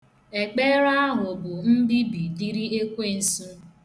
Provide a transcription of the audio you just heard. Ekpere ahụ bụ mbibi dịrị ekwensu.